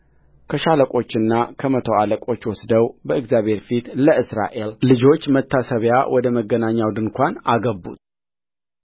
ከሻለቆችና ከመቶ አለቆች ወስደው በእግዚአብሔር ፊት ለእስራኤል ልጆች መታሰቢያ ወደ መገናኛው ድንኳን አገቡት